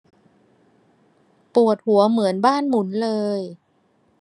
ปวดหัวเหมือนบ้านหมุนเลย